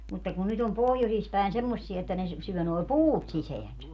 mutta kun nyt on pohjoisissa päin semmoisia että ne syö nuo puut sisäänsä